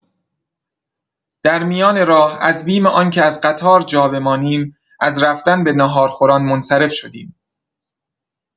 در میان راه از بیم آنکه از قطار جا بمانیم از رفتن به ناهارخوران منصرف شدیم.